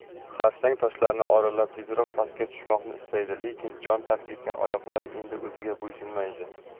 xarsang toshlarni oralab tezroq pastga tushmoqni istaydi lekin jon tark etgan oyoqlar endi o'ziga bo'yinsunmaydi